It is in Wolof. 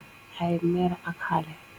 Ay meer ak halè.